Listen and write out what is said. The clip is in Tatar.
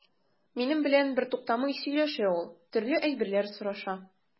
Минем белән бертуктамый сөйләшә ул, төрле әйберләр сораша.